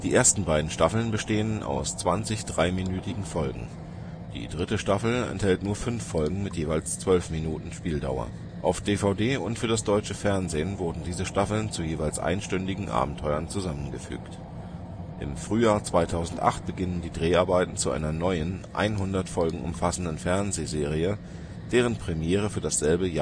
ersten beiden Staffeln bestehen aus 20 dreiminütigen Folgen. Die dritte Staffel enthält nur fünf Folgen mit jeweils 12 Minuten Spieldauer. Auf DVD und für das deutsche Fernsehen wurden diese Staffeln zu jeweils einstündigen Abenteuern zusammengefügt. Im Frühjahr 2008 beginnen die Dreharbeiten zu einer neuen, 100 Folgen umfassenden Fernsehserie, deren Premiere für dasselbe